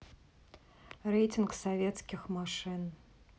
рейтинг советских машин